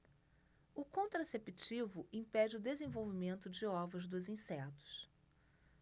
o contraceptivo impede o desenvolvimento de ovos dos insetos